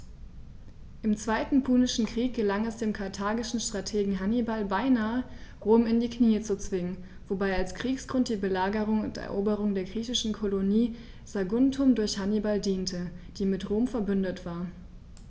Im Zweiten Punischen Krieg gelang es dem karthagischen Strategen Hannibal beinahe, Rom in die Knie zu zwingen, wobei als Kriegsgrund die Belagerung und Eroberung der griechischen Kolonie Saguntum durch Hannibal diente, die mit Rom „verbündet“ war.